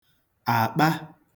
àkpa